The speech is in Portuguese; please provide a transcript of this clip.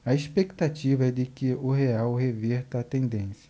a expectativa é de que o real reverta a tendência